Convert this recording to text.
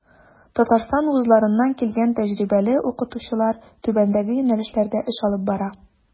Татарстан вузларыннан килгән тәҗрибәле укытучылар түбәндәге юнәлешләрдә эш алып бара.